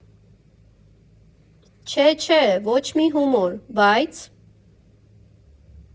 ֊ Չէ, չէ, ոչ մի հումոր, բայց…